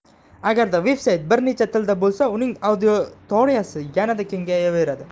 agarda veb sayt bir necha tilda bo'lsa uning auditoriyasi yanada kengayaveradi